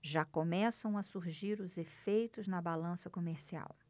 já começam a surgir os efeitos na balança comercial